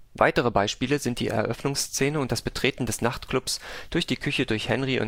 Weitere Beispiele sind die Eröffnungsszene und das Betreten des Nachtclubs durch die Küche durch Henry